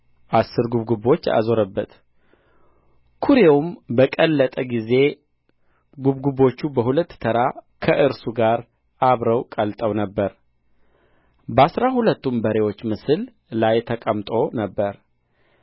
አሥር ጕብጕቦች አዞረበት ኵሬውም በቀለጠ ጊዜ ጕብጕቦቹ በሁለት ተራ ከእርሱ ጋር አብረው ቀልጠው ነበር በአሥራ ሁለትም በሬዎች ምስል ላይ ተቀምጦ ነበር